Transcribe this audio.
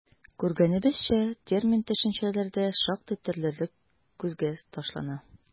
Күргәнебезчә, термин-төшенчәләрдә шактый төрлелек күзгә ташлана.